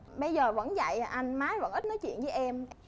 bây giờ vẫn vậy à anh má vẫn ít nói chuyện với em